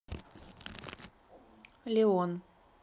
леон